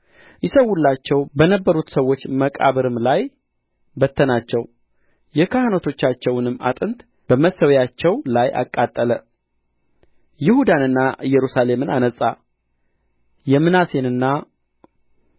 ይሠዉላቸው በነበሩት ሰዎች መቃብርም ላይ በተናቸው የካህናቶቻቸውንም አጥንት በመሠዊያቸው ላይ አቃጠለ ይሁዳንና ኢየሩሳሌምን አንጻ የምናሴንና